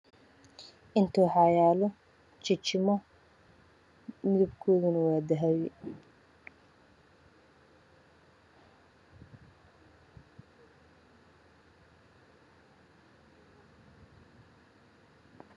Inta waxaa yaalo jijimo midabkoodu waa dahabi.